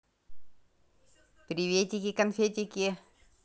приветики конфетики